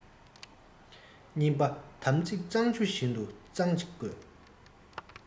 གཉིས པ དམ ཚིག གཙང ཆུ བཞིན དུ གཙང གཅིག དགོས